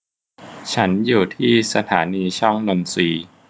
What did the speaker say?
ฉันอยู่ที่สถานีช่องนนทรี